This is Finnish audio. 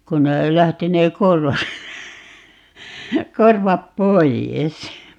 kun ne lähti ne korvat korvat pois